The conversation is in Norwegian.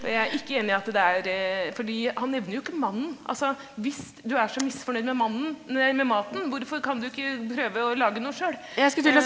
og jeg er ikke enig i at det er , fordi han nevner jo ikke mannen, altså hvis du er så misfornøyd med mannen nei med maten, hvorfor kan du ikke prøve å lage noe sjøl ?